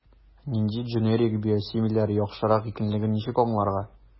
Нинди дженерик/биосимиляр яхшырак икәнлеген ничек аңларга?